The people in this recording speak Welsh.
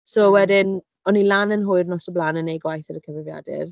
So wedyn... M-hm. ...o'n i lan yn hwyr nos o'r blaen yn wneud gwaith ar y cyfrifiadur.